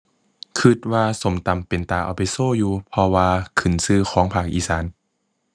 คิดว่าส้มตำเป็นตาเอาไปโชว์อยู่ เพราะว่าขึ้นคิดของภาคอีสาน